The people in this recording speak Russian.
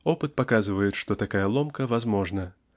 Опыт показывает, что такая ломка возможна.